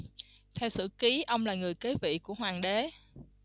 theo sử ký ông là người kế vị của hoàng đế